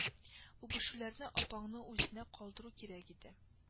Үбешүләрне апаңның үзенә калдыру кирәк иде